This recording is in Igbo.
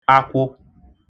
akwụ